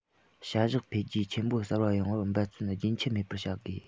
བྱ གཞག འཕེལ རྒྱས ཆེན པོ གསར པ ཡོང བར འབད བརྩོན རྒྱུན ཆད མེད པར བྱ དགོས